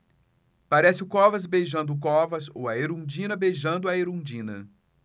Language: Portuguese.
parece o covas beijando o covas ou a erundina beijando a erundina